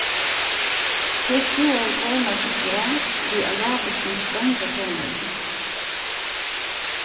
tey skrúvaðu tónleikin frá við arabiskum streingjatónleiki